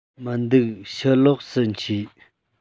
མི འདུག ཕྱི ལོགས སུ མཆིས